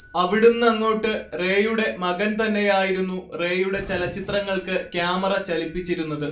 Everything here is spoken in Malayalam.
അവിടുന്നങ്ങോട്ട് റേയുടെ മകൻ തന്നെയായിരുന്നു റേയുടെ ചലച്ചിത്രങ്ങൾക്ക് ക്യാമറ ചലിപ്പിച്ചിരുന്നത്